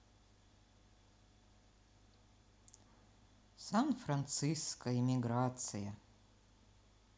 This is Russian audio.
сан франциско эмиграция